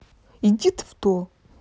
иди ты в то